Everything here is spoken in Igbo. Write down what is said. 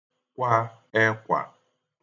kwa ẹkwà